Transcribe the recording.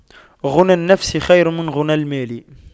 غنى النفس خير من غنى المال